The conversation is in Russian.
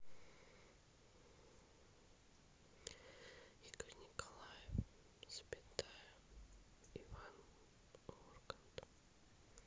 игорь николаев запятая иван ургант